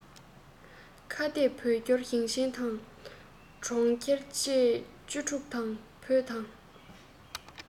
ཁ གཏད བོད སྐྱོར ཞིང ཆེན དང གྲོང ཁྱེར བཅས བཅུ དྲུག དང བོད དང